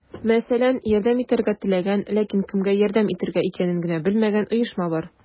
Мәсәлән, ярдәм итәргә теләгән, ләкин кемгә ярдәм итергә икәнен генә белмәгән оешма бар.